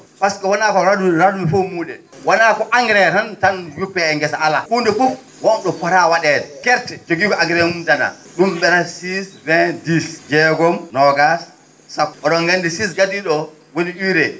pasque wonaa ko ranwu rawnu fof muu?ee wonaa ko engrais tan tan yuppee e ngesa alaa huunde fof won?o fotaa wa?eede gerte jogii ko engrais mum dana ?um ?e mbiyara 26 20 10 jeegom noogas sappo o?on nganndi 6 gadii?o oo woni UREE